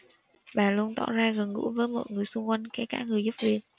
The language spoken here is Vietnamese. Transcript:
bà luôn tỏ ra gần gũi với mọi người xung quanh kể cả người giúp việc